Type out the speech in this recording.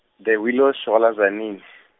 The Willows, go la Tzaneen .